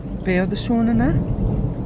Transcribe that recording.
Be oedd y sŵn yna?